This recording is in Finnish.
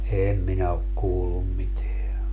en minä ole kuullut mitään